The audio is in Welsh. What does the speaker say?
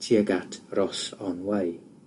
tuag at Ross On Wye.